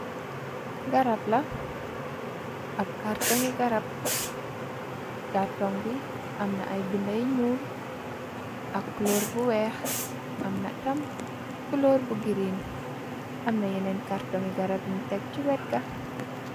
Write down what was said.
garab la ab kàrtongi garab gàrtong bi amna ay binday ñuul ak culoor bu weex amna tam kloor bu giriin amna yeneen kàrtongi garab yiñ teg ci wet gah.